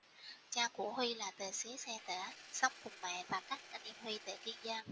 cha của huy là tài xế xe tải sống cùng mẹ và các anh em huy tại kiên giang